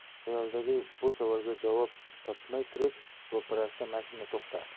xayolidagi bu savolga javob topmay turib ro'parasida mashina to'xtadi